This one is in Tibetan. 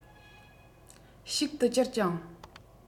ཞིག ཏུ གྱུར ཅིང